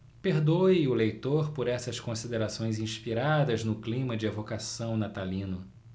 perdoe o leitor por essas considerações inspiradas no clima de evocação natalino